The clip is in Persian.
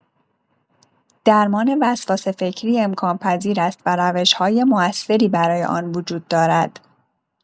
درمان وسواس فکری امکان‌پذیر است و روش‌های مؤثری برای آن وجود دارد.